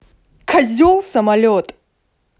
козел самолет